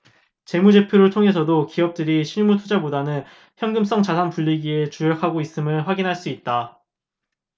재무제표를 통해서도 기업들이 실물투자보다는 현금성 자산 불리기에 주력하고 있음을 확인할 수 있다